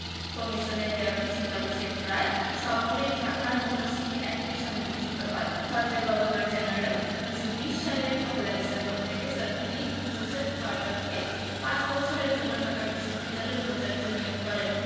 কমিশনের ১৩টি সুপারিশের প্রায় সবগুলিই ঢাকা ইউনিভার্সিটি অ্যাক্টে সন্নিবেশিত হয় ভারতের গভর্নর জেনারেল ১৯২০ সালের ১ ডিসেম্বর থেকে স্যার ফিলিপ জোসেফ হার্টগকে পাঁচ বছরের জন্য ঢাকা বিশ্ববিদ্যালয়ের উপাচার্য নিয়োগ করেন